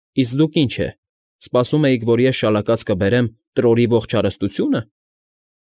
Իսկ դուք, ինչ է, սպասում էիք, որ ես շալակած կբերեմ Տրորի ողջ հարստությո՞ւնը։